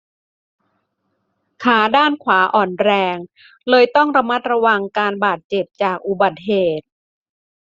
ขาด้านขวาอ่อนแรงเลยต้องระมัดระวังการบาดเจ็บจากอุบัติเหตุ